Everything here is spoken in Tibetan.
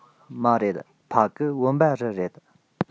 མ རེད ཕ གི བུམ པ རི རེད